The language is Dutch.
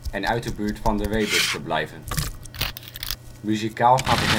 en uit de buurt van de Webers te blijven. Muzikaal gaat